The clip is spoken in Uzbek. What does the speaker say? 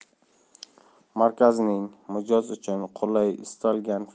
markazning mijoz uchun qulay istalgan